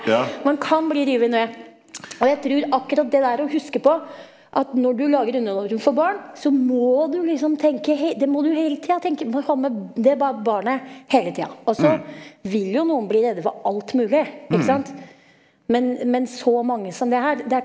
man kan bli revet ned, og jeg trur akkurat det der å huske på at når du lager underholdning for barn så må du liksom tenke det må du hele tida tenke må ha med det barnet hele tida, også vil jo noen bli redde for alt mulig ikke sant men men så mange som det her det er.